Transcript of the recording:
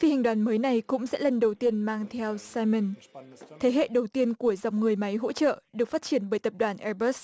phi hành đoàn mới này cũng sẽ lần đầu tiên mang theo sai mừn thế hệ đầu tiên của dòng người máy hỗ trợ được phát triển bởi tập đoàn e bớt